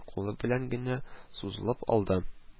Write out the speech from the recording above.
Аны бер кулы белән генә сузылып алды